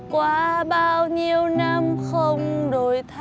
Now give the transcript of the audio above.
qua bao nhiêu năm không đổi thay